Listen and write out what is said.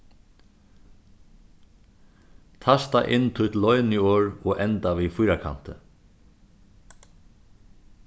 tasta inn títt loyniorð og enda við fýrakanti